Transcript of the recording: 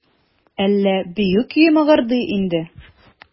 Әллә бию көе мыгырдый инде?